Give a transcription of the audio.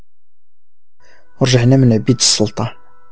رجعنا من بيت السلطه